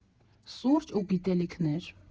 Սուրճ ու գիտելիքներ։